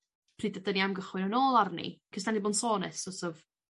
pryd ydyn ni am gychwyn yn ôl arni 'c'os 'dan ni bo'n sôn e's so't of